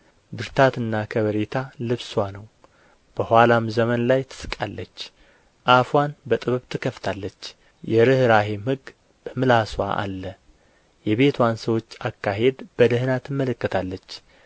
ብርታትና ከበሬታ ልብስዋ ነው በኋላም ዘመን ላይ ትስቃለች አፍዋን በጥበብ ትከፍታለች የርኅራኄም ሕግ በምላስዋ አለ የቤትዋንም ሰዎች አካሄድ በደኅና ትመለከታለች